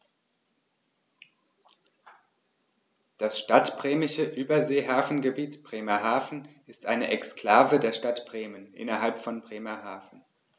Das Stadtbremische Überseehafengebiet Bremerhaven ist eine Exklave der Stadt Bremen innerhalb von Bremerhaven.